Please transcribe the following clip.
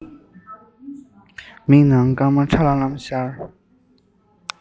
མིག ནང སྐར མ ཁྲ ལམ ལམ ཤར